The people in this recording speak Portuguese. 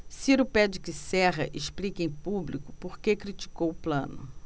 ciro pede que serra explique em público por que criticou plano